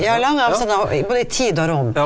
ja lange avstander både i tid og rom.